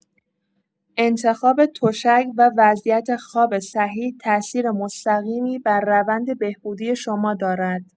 انتخاب تشک و وضعیت خواب صحیح تاثیر مستقیمی بر روند بهبودی شما دارد.